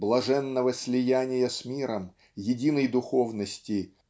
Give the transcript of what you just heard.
блаженного слияния с миром единой духовности